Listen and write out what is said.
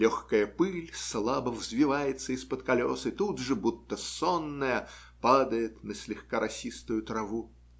легкая пыль слабо взвивается из-под колес и тут же, будто сонная, падает на слегка росистую траву.